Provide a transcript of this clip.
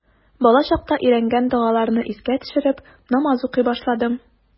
Балачакта өйрәнгән догаларны искә төшереп, намаз укый башладым.